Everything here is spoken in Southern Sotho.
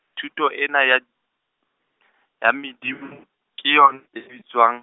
thuto ena ya, ya medimo, ke yon- e bitswang.